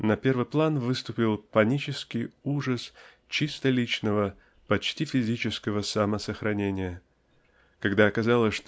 на первый план выступил панический ужас чисто личного почти физического самосохранения когда оказалось